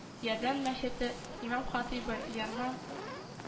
“ярдәм” мәчете имам-хатыйбы, ярман